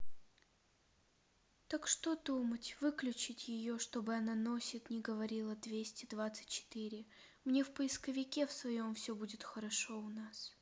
так что думать выключить ее чтобы она носит не говорила двести двадцать четыре мне в поисковике в своем все будет хорошо у нас